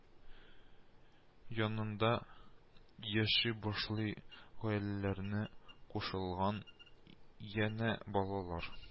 Янында яши башлый, гаиләләре кушылгач янә балалар